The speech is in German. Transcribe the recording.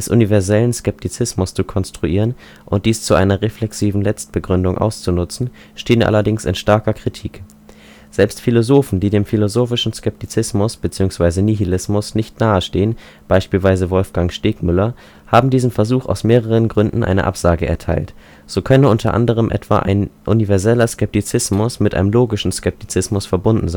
universellen Skeptizismus zu konstruieren und dies zu einer (reflexiven) Letztbegründung auszunutzen, stehen allerdings in starker Kritik. Selbst Philosophen, die dem philosophischen Skeptizismus beziehungsweise Nihilismus nicht nahestehen (beispielsweise Wolfgang Stegmüller), haben diesem Versuch aus mehreren Gründen eine Absage erteilt. So könne unter anderem etwa ein universeller Skeptizismus mit einem logischen Skeptizismus verbunden